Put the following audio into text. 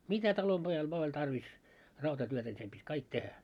mitä talonpojalla vain oli tarvis rautatyötä niin sen piti kaikki tehdä